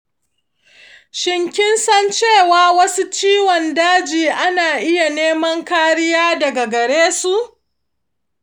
shin kinsan cewa wasu ciwon dajin ana iya neman kariya daga garesu?